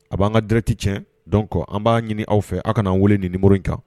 A b'an ka dɛrɛti tiɲɛ dɔn kɔ an b'a ɲini aw fɛ aw ka'an weele ni muru in kan